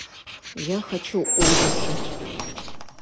я хочу ужасы